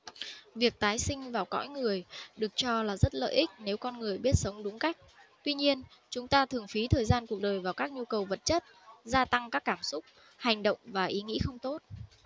việc tái sinh vào cõi người được cho là rất lợi ích nếu con người biết sống đúng cách tuy nhiên chúng ta thường phí thời gian cuộc đời vào các nhu cầu vật chất gia tăng các cảm xúc hành động và ý nghĩ không tốt